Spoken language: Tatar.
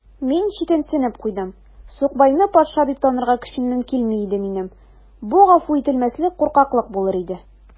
Мин читенсенеп куйдым: сукбайны патша дип танырга көчемнән килми иде минем: бу гафу ителмәслек куркаклык булыр иде.